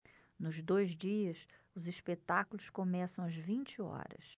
nos dois dias os espetáculos começam às vinte horas